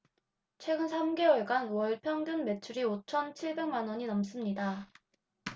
최근 세 개월간 월 평균 매출이 오 천 칠 백만 원이 넘습니다